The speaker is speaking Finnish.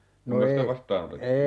Kuinkas sitä vastaanotettiin